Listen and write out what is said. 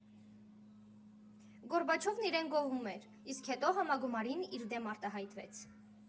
Գորբաչովն իրեն գովում էր, իսկ հետո Համագումարին իր դեմ արտահայտվեց։